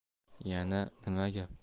yana nima gap